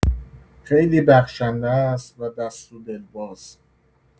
خیلی بخشنده است و دست و دلباز.